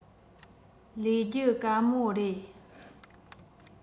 ལས རྒྱུ དཀའ མོ རེད